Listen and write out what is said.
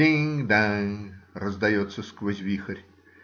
Динг-данг!" - раздается сквозь вихрь.